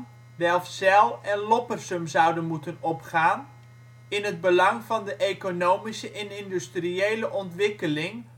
Delfzijl en Loppersum zouden moeten opgaan, in het belang van de economische en industriële ontwikkeling